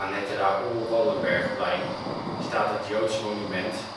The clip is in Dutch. het Raoul Wallenbergplein staat het joods monument